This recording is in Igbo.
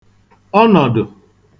ọnọ̀dụ̀